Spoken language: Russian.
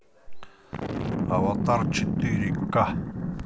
аватар четыре к